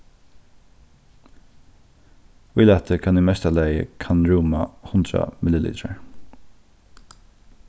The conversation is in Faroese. ílatið kann í mesta lagi kann rúma hundrað millilitrar